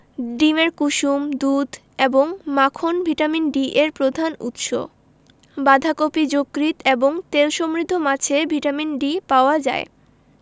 ডিমের কুসুম দুধ এবং মাখন ভিটামিন ডি এর প্রধান উৎস বাঁধাকপি যকৃৎ এবং তেল সমৃদ্ধ মাছে ভিটামিন ডি পাওয়া যায়